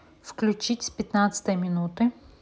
включить с пятнадцатой минуты